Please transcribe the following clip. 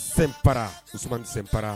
Sen para sen para